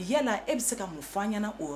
U yalala e bɛ se ka mun faa ɲɛna o yɔrɔ